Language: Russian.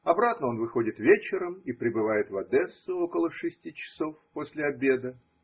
обратно он выходит вечером и прибывает в Одессу около шести часов после обеда.